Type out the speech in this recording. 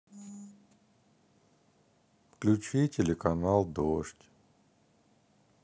включи телеканал дождь